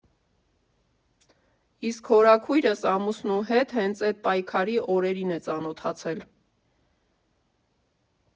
Իսկ հորաքույրս ամուսնու հետ հենց էդ պայքարի օրերին է ծանոթացել։